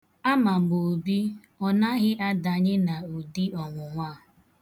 Ama m Obi, ọ naghị adanye n'ụdị ọnwụnwa a.